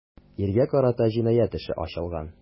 Иргә карата җинаять эше ачылган.